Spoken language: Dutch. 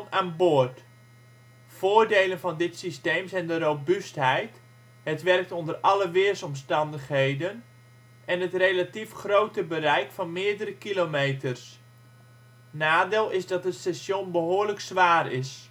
aan boord. Voordelen van dit systeem zijn de robuustheid - het werkt onder alle weersomstandigheden - en het relatief grote bereik van meerdere kilometers. Nadeel is dat het station behoorlijk zwaar is